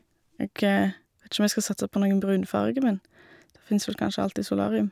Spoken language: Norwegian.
Jeg vet ikke om jeg skal satse på noen brunfarge, men der finnes vel kanskje alltid solarium.